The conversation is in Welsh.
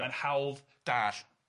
Ma'n hawdd dallt